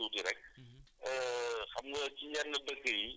waaw waaw mooy mooy na dellusiwaat tuuti rek